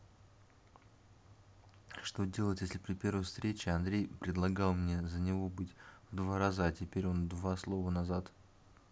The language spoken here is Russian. что делать если при первой встрече андрей предлагал мне за него быть в два раза а теперь он два слова назад